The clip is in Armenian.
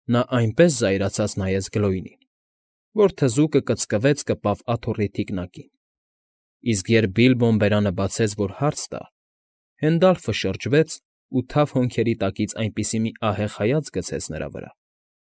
Նա այնպես զայրացած նայեց Գլոյնին, որ թզուկը կծկվեց կպավ աթոռի թիկնակին, իսկ երբ Բիլբոն բերանը բացեց, որ հարց տա, Հենդալֆը շրջվեց ու թավ հոնքերի տակից այնպիսի մի ահեղ հայացք գցեց նրա վրա,